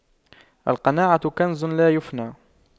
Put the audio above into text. القناعة كنز لا يفنى